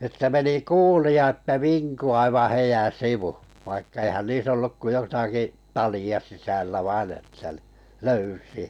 että meni kuulia että vinkui aivan heidän sivu vaikka eihän niissä ollut kuin jotakin talia sisällä vain että niin löysiä